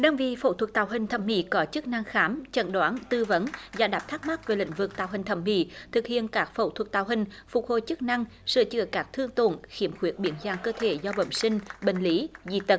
đơn vị phẫu thuật tạo hình thẩm mỹ có chức năng khám chẩn đoán tư vấn giải đáp thắc mắc về lĩnh vực tạo hình thẩm mỹ thực hiện các phẫu thuật tạo hình phục hồi chức năng sửa chữa các thương tổn khiếm khuyết biến dạng cơ thể do bẩm sinh bệnh lý dị tật